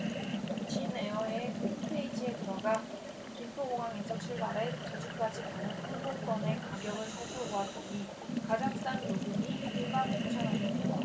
진에어의 홈페이지에 들어가 김포공항에서 출발해 제주까지 가는 항공권의 가격을 살펴 보았더니 가장 싼 요금이 일 만 구천 원이네요